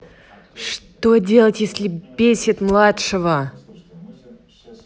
что делать если бесит младшего